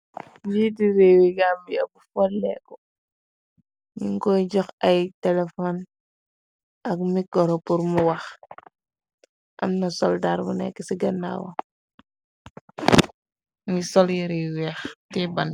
Jeete réewe gambia bu folleeko ñi nug koye jox ay telefon ak mikoro por mu wax amna soldaar bu nekk ci gannaawam mege sol yere yu weex teye bante.